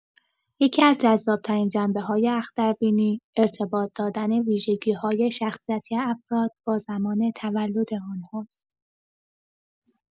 یکی‌از جذاب‌ترین جنبه‌های اختربینی، ارتباط دادن ویژگی‌های شخصیتی افراد با زمان تولد آن‌هاست.